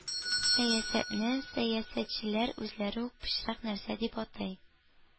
Сәясәтне сәясәтчеләр үзләре үк пычрак нәрсә дип атый.